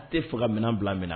A tɛ fo minɛn bila minɛ